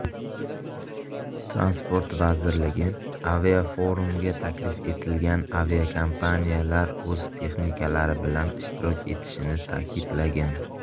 transport vazirligi aviaforumga taklif etilgan aviakompaniyalar o'z texnikalari bilan ishtirok etishini ta'kidlagan